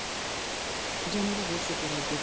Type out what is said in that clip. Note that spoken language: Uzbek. jamila bo'lsa kerak deb